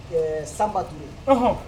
Ɛɛ sanbatu ye